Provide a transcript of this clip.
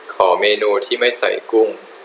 ขอเมนูที่ไม่ใส่กุ้ง